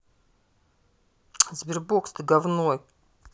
sberbox ты говной